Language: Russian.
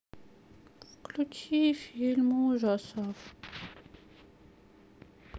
включи фильм ужасов